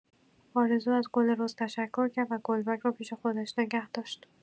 آرزو از گل رز تشکر کرد و گلبرگ رو پیش خودش نگه داشت.